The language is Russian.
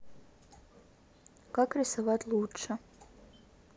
как рисовать лучше